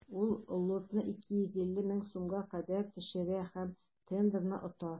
Ул лотны 250 мең сумга кадәр төшерә һәм тендерны ота.